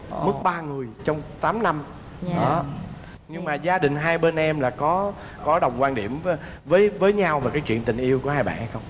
mất ba người trong tám năm đó nhưng mà gia đình hai bên em là có có đồng quan điểm với với với nhao về cái chuyện tình yêu của hai bạn hay không